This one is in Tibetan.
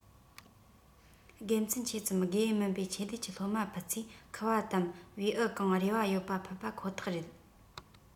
དགེ མཚན ཆེ ཙམ དགེ འོས མིན པའི ཆེད ལས ཀྱི སློབ མ ཕུད ཚོས ཁུ བ དམ བེའུ གང རེ བ ཡོད པ ཕུད པ ཁོ ཐག རེད